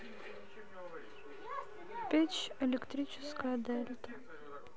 печь электрическая дельта